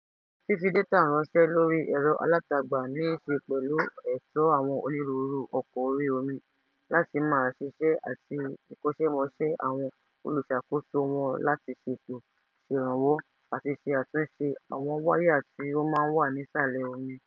Fífi dátà ránṣẹ́ lóri ẹ̀rọ alátagbà níi ṣe pẹ̀lú ẹ̀tọ́ àwọn onírúurú ọkọ̀ orí omí láti máa ṣiṣẹ́ àti ìkọ̀ṣẹ́-mọṣẹ́sí àwọn olùṣàkóso wọn láti ṣètò, ṣèrànwó àtí ṣe àtúnṣe àwọn wáyà tì ó máa ń wà nísàlẹ̀ omi.